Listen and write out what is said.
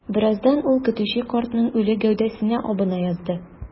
Бераздан ул көтүче картның үле гәүдәсенә абына язды.